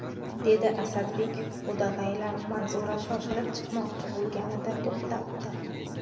dedi asadbek o'dag'aylab manzura shoshib chiqmoqchi bo'lganida to'xtatdi